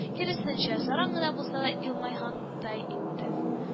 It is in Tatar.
Киресенчә, саран гына булса да елмайган дай итеп: